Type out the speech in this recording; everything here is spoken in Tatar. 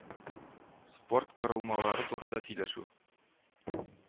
Спорт корылмалары турында сөйләшү